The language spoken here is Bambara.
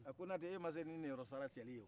ko nɔtɛ e nin ma se ne niyɔrɔsara cɛli ye